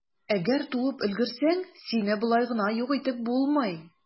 Әгәр туып өлгерсәң, сине болай гына юк итеп булмый.